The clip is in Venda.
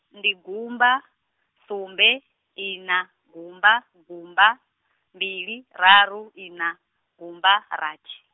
ndi gumba, sumbe ina gumba gumba, mbili raru ina, gumba rati.